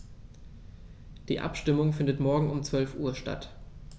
Die Abstimmung findet morgen um 12.00 Uhr statt.